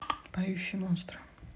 поющие монстры